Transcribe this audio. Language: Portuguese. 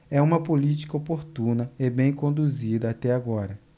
é uma política oportuna e bem conduzida até agora